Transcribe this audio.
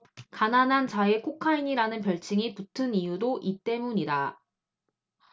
가난한 자의 코카인이라는 별칭이 붙은 이유도 이 때문이다